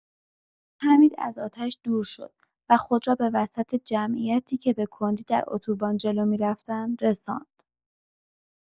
حمید از آتش دور شد و خود را به وسط جمعیتی که به کندی در اتوبان جلو می‌رفتند، رساند.